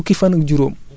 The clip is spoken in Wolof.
yooyu da nga koy muri